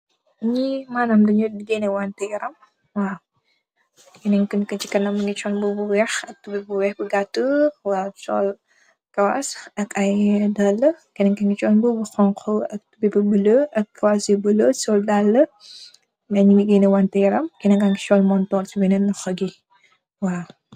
Nyi manam danyu geneh wanted yaram kenen ku nekah si kanam mungi sul mbobu bu wekh bu gattuh sul kawass ak aye daluh kenen ki mungi mbobu xhong khu ak kawass yu bulah sul dalah